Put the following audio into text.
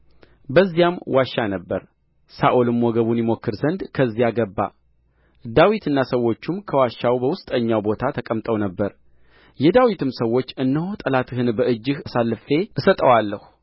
በዚያም ዋሻ ነበረ ሳኦልም ወገቡን ይሞክር ዘንድ ከዚያ ገባ ዳዊትና ሰዎቹም ከዋሻው በውስጠኛው ቦታ ተቀምጠው ነበር የዳዊትም ሰዎች እነሆ ጠላትህን በእጅህ አሳልፌ እሰጠዋለሁ